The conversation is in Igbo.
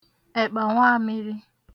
ẹ̀kpànwamịrị